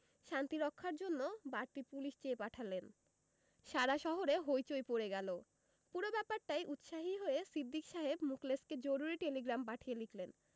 শান্তি রক্ষার জন্যে বাড়তি পুলিশ চেয়ে পাঠালেন সারা শহরে হৈ চৈ পড়ে গেল পুরো ব্যাপারটায় উৎসাহী হয়ে সিদ্দিক সাহেব মুখলেসকে জরুরী টেলিগ্রাম পাঠিয়ে লিখলেন